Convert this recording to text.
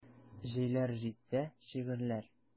Җәйләр җитсә: шигырьләр.